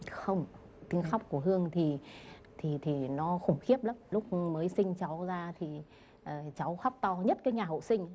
không tiếng khóc của hương thì thì thì nó khủng khiếp lắm lúc mới sinh cháu ra thì cháu khóc to nhất cái nhà hộ sinh